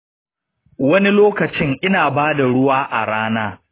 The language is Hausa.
wani lokacin ina ba da ruwa a rana.